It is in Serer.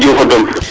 Semou Diouf